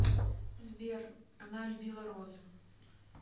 сбер она любила розы